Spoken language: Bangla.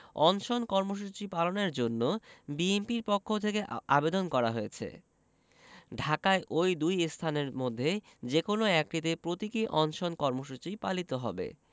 অনশন কর্মসূচি পালনের জন্য বিএনপির পক্ষ থেকে আবেদন করা হয়েছে ঢাকায় ওই দুই স্থানের মধ্যে যেকোনো একটিতে প্রতীকী অনশন কর্মসূচি পালিত হবে